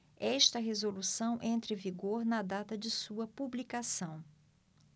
esta resolução entra em vigor na data de sua publicação